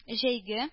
Җәйге